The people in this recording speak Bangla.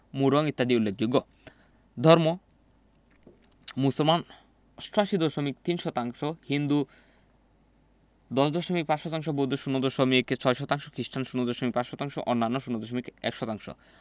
মুরং ইত্যাদি উল্লেখযোগ্য ধর্ম মুসলমান ৮৮দশমিক ৩ শতাংশ হিন্দু ১০দশমিক ৫ শতাংশ বৌদ্ধ ০ দশমিক ৬ শতাংশ খ্রিস্টান ০দশমিক ৫ শতাংশ অন্যান্য ০দশমিক ১ শতাংশ